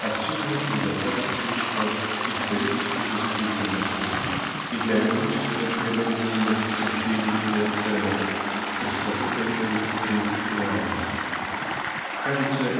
Отсюда недостаток чувства исторической действительности и геометрическая прямолинейность суждений и оценок пресловутая их "принципиальность". Кажется